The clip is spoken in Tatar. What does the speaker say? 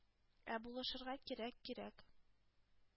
Ә булышырга кирәк. Кирәк!»